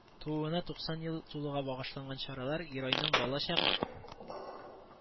Тууына туксан ел тулуга багышланган чаралар геройның балачак